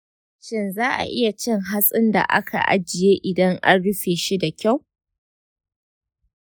shin za a iya cin hatsin da aka ajiye idan an rufe shi da kyau?